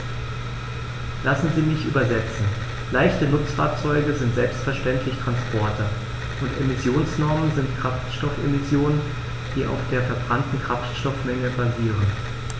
Lassen Sie mich übersetzen: Leichte Nutzfahrzeuge sind selbstverständlich Transporter, und Emissionsnormen sind Kraftstoffemissionen, die auf der verbrannten Kraftstoffmenge basieren.